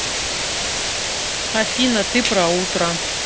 афина ты про утро